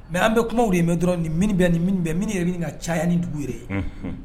Mɛ an bɛ kumaw de bɛ dɔrɔn ni ni mini yɛrɛ ka ca ni dugu yɛrɛ ye